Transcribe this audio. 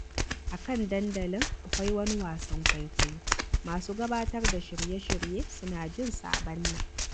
A kan dandalin akwai wani wasan kwaikwayo, masu gabatar da shirye-shirye suna jin "Saɓannah"